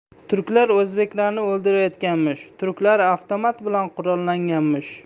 turklar o'zbeklarni o'ldirayotganmish turklar avtomat bilan qurollanganmish